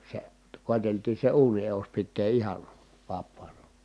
se koeteltiin se uunin edus pitää ihan vapaana